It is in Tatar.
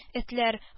Этләр